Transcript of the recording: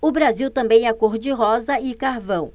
o brasil também é cor de rosa e carvão